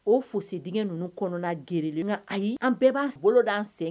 O fosi dgɛ ninnu kɔnɔna na glen nka ayi an bɛɛ b' boloda an sen